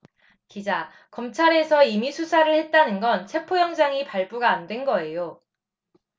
기자 검찰에서 임의수사를 했다는 건 체포영장이 발부가 안 된 거예요